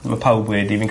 Ma' pawb wedi fi'n...